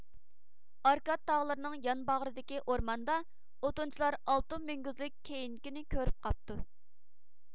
ئاركاد تاغلىرىنىڭ يانباغرىدىكى ئورماندا ئوتۇنچىلار ئالتۇن مۈڭگۈزلۈك كېيىنكىنى كۆرۈپ قاپتۇ